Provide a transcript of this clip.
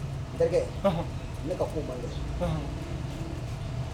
Ne ka fɔ mande